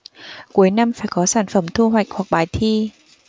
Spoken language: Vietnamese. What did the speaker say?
cuối năm phải có sản phẩm thu hoạch hoặc bài thi